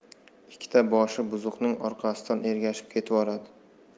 ikkita boshi buzuqning orqasidan ergashib ketvoradi